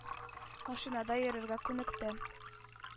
Машинада йөрергә күнекте,